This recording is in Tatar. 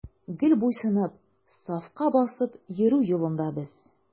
Гел буйсынып, сафка басып йөрү юлында без.